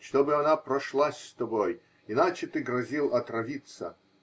-- чтобы она прошлась с тобой, иначе ты грозил отравиться.